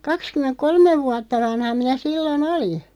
kaksikymmentä kolme vuotta vanha minä silloin olin